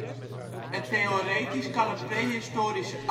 theoretisch kan een prehistorische